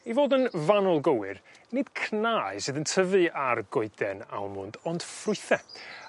I fod yn fanwl gywir nid cnau sydd yn tyfu a'r goeden almwnd ond ffrwythe